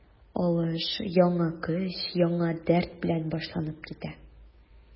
Алыш яңа көч, яңа дәрт белән башланып китә.